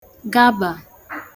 gabà